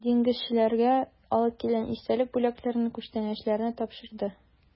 Диңгезчеләргә алып килгән истәлек бүләкләрен, күчтәнәчләрне тапшырды.